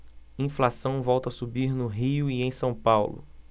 inflação volta a subir no rio e em são paulo